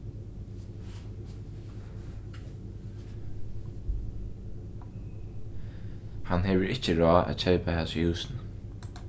hann hevur ikki ráð at keypa hasi húsini